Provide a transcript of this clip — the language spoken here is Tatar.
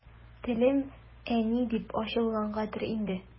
Телем «әни» дип ачылгангадыр инде.